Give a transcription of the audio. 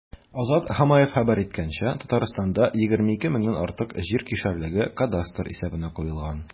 Азат Хамаев хәбәр иткәнчә, Татарстанда 22 меңнән артык җир кишәрлеге кадастр исәбенә куелган.